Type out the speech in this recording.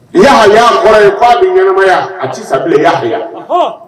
I y'aa kɔrɔ ye k'a bɛ ɲ ɲɛnamaya a ci sa i'a yan